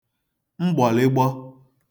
mgbị̀lịgbọ